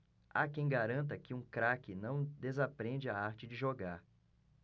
há quem garanta que um craque não desaprende a arte de jogar